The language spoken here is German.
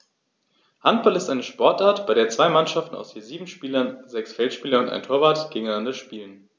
Handball ist eine Sportart, bei der zwei Mannschaften aus je sieben Spielern (sechs Feldspieler und ein Torwart) gegeneinander spielen.